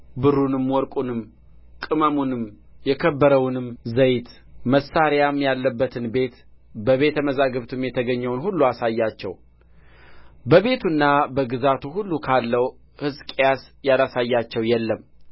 ብሩንና ወርቁንም ቅመሙንና የከበረውንም ዘይት መሣሪያም ያለበትን ቤት በቤተ መዛግብቱም የተገኘውን ሁሉ አሳያቸው በቤቱና በግዛቱ ሁሉ ካለው ሕዝቅያስ ያላሳያቸው የለም